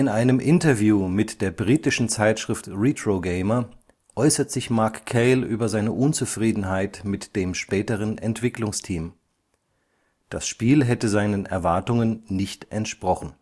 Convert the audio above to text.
einem Interview mit der britischen Zeitschrift Retro Gamer äußert sich Mark Cale über seine Unzufriedenheit mit dem späteren Entwicklungsteam. Das Spiel hätte seinen Erwartungen nicht entsprochen